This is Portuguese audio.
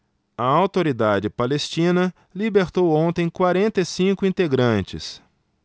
a autoridade palestina libertou ontem quarenta e cinco integrantes